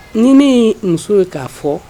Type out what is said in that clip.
Ni ne ye muso ye k'a fɔ